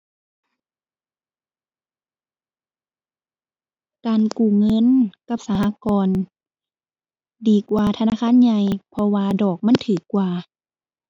การกู้เงินกับสหกรณ์ ดีกว่าธนาคารใหญ่เพราะว่าดอกมันถูกกว่า